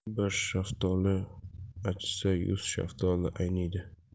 bir shaftoli achisa yuz shaftoli ayniydi